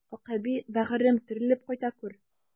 Акъәби, бәгырем, терелеп кайта күр!